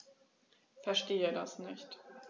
Verstehe das nicht.